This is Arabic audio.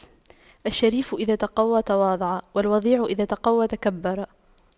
الشريف إذا تَقَوَّى تواضع والوضيع إذا تَقَوَّى تكبر